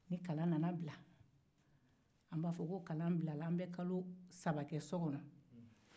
ni kalan bilara an bɛ kalo saba kɛ so kɔnɔ